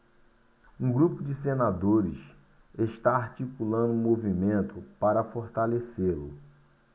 um grupo de senadores está articulando um movimento para fortalecê-lo